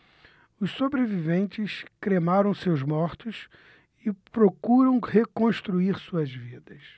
os sobreviventes cremaram seus mortos e procuram reconstruir suas vidas